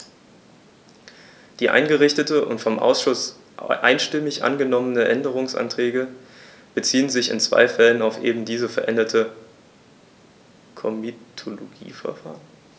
Die eingereichten und vom Ausschuss einstimmig angenommenen Änderungsanträge beziehen sich in zwei Fällen auf eben dieses veränderte Komitologieverfahren.